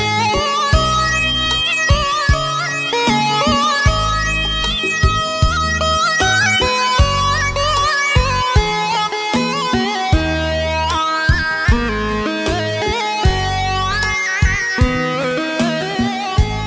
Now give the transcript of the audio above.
đăng ký kênh để ủng hộ nguyễn văn diệu nhé